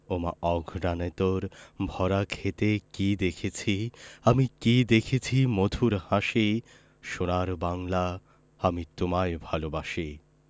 ওমা অঘ্রানে তোর ভরা ক্ষেতে কী দেখেছি আমি কী দেখেছি মধুর হাসি সোনার বাংলা আমি তোমায় ভালোবাসি